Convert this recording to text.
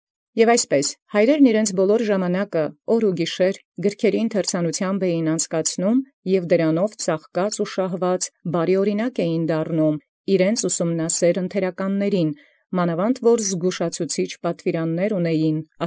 Եւ այնպէս զամենայն ժամանակս իւրեանց՝ յընթերցուածս գրոց ծախէին հարքն՝ զտիւ և զգիշեր, և նովիմբ ծաղկեալք և շահաւետեալք՝ աւրինակ բարեաց ուսումնասէր առընթերակայից լինէին. մանաւանդ զի ունէին պատուիրանս զգուշացուցիչս։